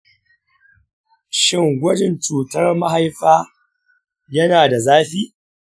shin gwajin cutar mahaifa yana da zafi?